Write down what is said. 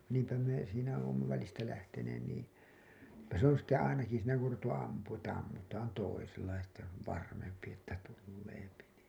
niinpä me siinä olemme välistä lähteneet niin että se on sitten ainakin siinä kun on ruvettu ampumaan että ammutaan toisella ja sitten se on varmempi että tulee niin